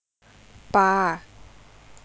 ปา